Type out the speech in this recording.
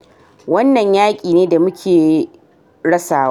Wannan yaki ne damuke rasawa.